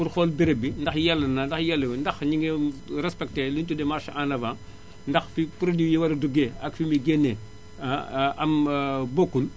pour xool béréb bi ndax yell na ndax yelluwul ndax ñu ngi respecté li ñu tuddee marche en avant ndax fi produit yi di war a duggee ak fi muy géñnee am bokkul